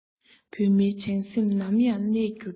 བོད མིའི བྱང སེམས ནམ ཡང གནས འགྱུར ཅིག